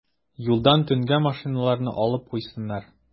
Юлдан төнгә машиналарны алып куйсыннар.